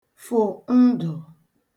fụ̀ ndụ̀